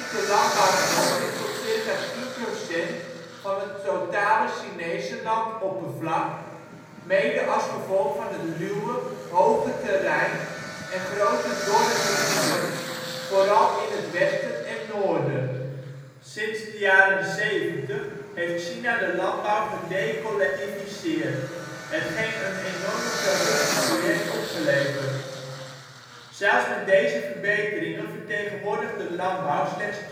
de landbouwgrond zich tot circa 10 % van het totale Chinese landoppervlak, mede als gevolg van het ruwe, hoge terrein en grote dorre gebieden, vooral in het westen en noorden. Sinds de jaren zeventig heeft China de landbouw gedecollectiviseerd, hetgeen een enorme productiegroei heeft opgeleverd. Zelfs met deze verbeteringen vertegenwoordigt de landbouw slechts